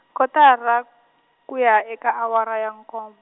kotara, kuya eka awara ya nkom-.